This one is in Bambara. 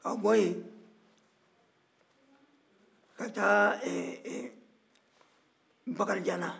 ka bɔ yen ka taa bakarijanna